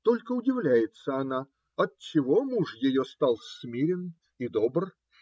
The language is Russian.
Только удивляется она, отчего муж ее стал смирен и добр